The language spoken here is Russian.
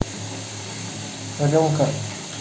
рюмка